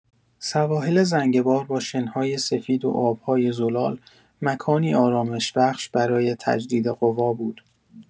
سواحل زنگبار با شن‌های سفید و آب‌های زلال، مکانی آرامش‌بخش برای تجدید قوا بود.